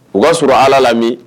U b'a sɔrɔ ala lami